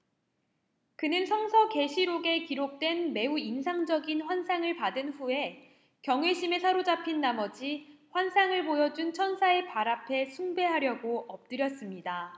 그는 성서 계시록에 기록된 매우 인상적인 환상을 받은 후에 경외심에 사로잡힌 나머지 환상을 보여 준 천사의 발 앞에 숭배하려고 엎드렸습니다